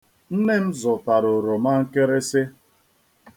Nne m zụtara oromankịrịsị.